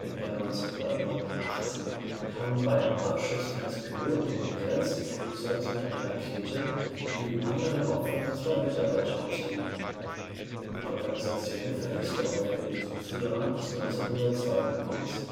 1989 kamen bei einem Abschuss eines Piloten ohne Grenzen-Flugzeugs mit einer Rakete neben anderen Opfern zwei Mitarbeiter ums Leben. Die Organisation verließ daraufhin den Südsudan bis 1992